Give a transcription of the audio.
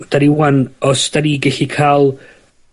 'dan ni 'wan os 'dan ni gallu ca'l